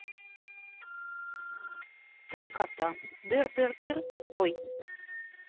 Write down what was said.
три кота дыр дыр дыр ой